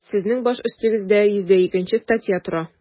Сезнең баш өстегездә 102 нче статья тора.